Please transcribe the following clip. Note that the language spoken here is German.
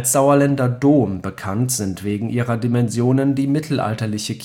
Sauerländer Dom bekannt sind wegen ihrer Dimensionen die mittelalterliche